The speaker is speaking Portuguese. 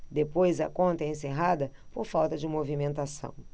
depois a conta é encerrada por falta de movimentação